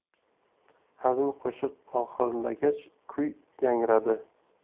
hazin qo'shiq oxirlagach kuy yangradi